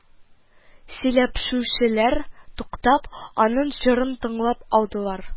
Сөйләпшүчеләр, туктап, аның җырын тыңлап алдылар